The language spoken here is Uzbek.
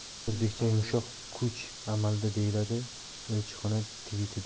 o'zbekcha yumshoq kuch amalda deyiladi elchixona tvitida